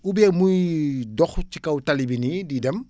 oubien muy dox ci kaw tali bi nii di dem